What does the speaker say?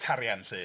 Tarian 'lly.